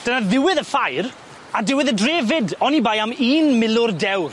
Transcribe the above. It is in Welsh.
Dyna ddiwedd y ffair, a diwedd y dre 'fyd, oni bai am un milwr dewr.